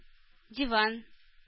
Диван